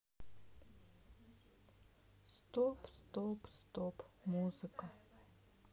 стоп стоп стоп музыка